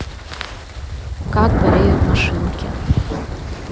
как болеют машинки